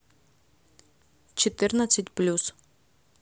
четырнадцать плюс